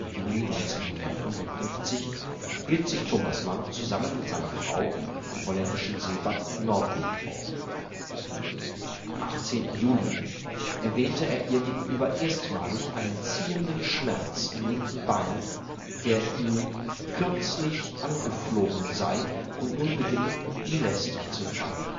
Juli 1955 hielt sich Thomas Mann zusammen mit seiner Frau im holländischen Seebad Noordwijk auf. Am 18. Juli erwähnte er ihr gegenüber erstmalig einen ziehenden Schmerz im linken Bein, der ihm „ kürzlich angeflogen “sei und nun beginne, ihm lästig zu fallen